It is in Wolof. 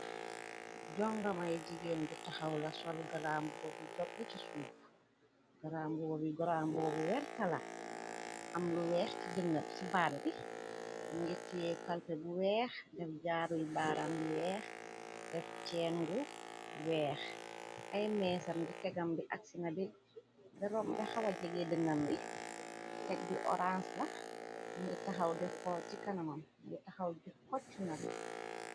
Jongamay jigeen bu taxaw la sol gramb bobu jogge ci suux gramboo bi granboobu wertala am lu weex ci dënab ci baddi mungir tie kalpe bu weex def jaaruy baaram bi weex def ceengu weex ay meesam di tegam bi ak sina bi derom bi xawa jegee dënam bi teg bi orange la mungir taxaw di xoo ci kanamam mngir taxaw dë xoccu nak.